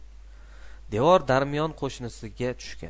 devor darmiyon qo'shnisiga tushgan